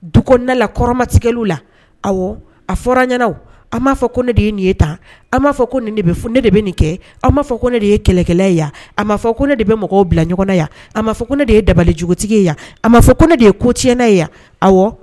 Dukla kɔrɔmatigɛ la a fɔra ɲɛnaana an b'a fɔ ko ne de ye nin ye tan an b'a fɔ ko nin de bɛ f ne de bɛ nin kɛ a b'a fɔ ko ne de ye kɛlɛkɛla ye yan a'a fɔ ko ne de bɛ mɔgɔw bila ɲɔgɔnna yan a' fɔ ko ne de ye dabalijuguogotigi ye yan a maa fɔ ko ne de ye ko tiɲɛna ye yan